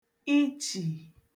ichì